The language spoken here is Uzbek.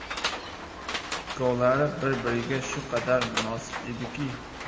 ikkovlari bir biriga shu qadar munosib ediki